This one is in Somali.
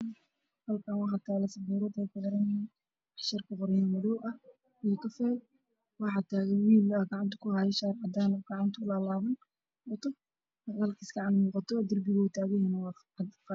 Waa sabuuro cashar ayaa lagu qorayaa nin ayaa ag taagan nooca shir ku qoraayo waana meel arday wax ku bara